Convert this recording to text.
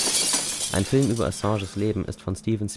Film über Assanges Leben ist von Steven